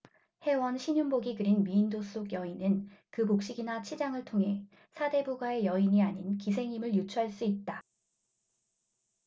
혜원 신윤복이 그린 미인도 속 여인은 그 복식이나 치장을 통해 사대부가의 여인이 아닌 기생임을 유추할 수 있다